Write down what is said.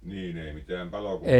niin ei mitään -